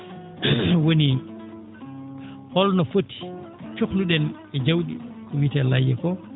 woni holno foti cohluɗen e jawdi ko wiyetee layya koo